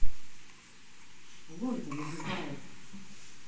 лондон убивает